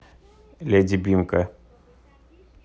lady бимка